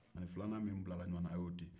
ani filanan min bilara ɲwan na a y'o ci